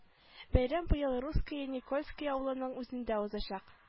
Бәйрәм быел русское никольское авылының үзендә узачак